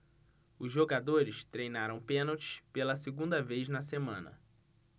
os jogadores treinaram pênaltis pela segunda vez na semana